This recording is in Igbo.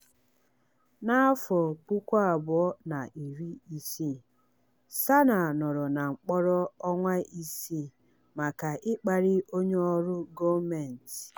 Na 2016, Sanaa nọrọ na mkpọrọ ọnwa isii maka ịkparị onye ọrụ gọọmentị.